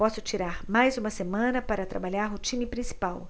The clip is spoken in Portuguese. posso tirar mais uma semana para trabalhar o time principal